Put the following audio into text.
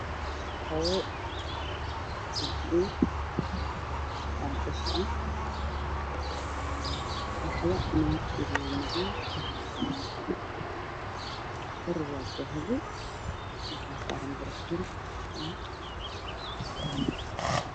Kabo hargashi ah shexda madow ka ah korna waa dahabi waxay saaran tahay karbad.